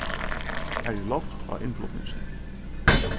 har er loft á innflutninginum